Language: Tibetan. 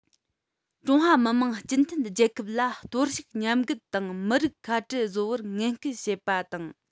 ཀྲུང ཧྭ མི དམངས སྤྱི མཐུན རྒྱལ ཁབ ལ གཏོར བཤིག ཉམས རྒུད དང མི རིགས ཁ བྲལ བཟོ བར ངན སྐུལ བྱེད པ དང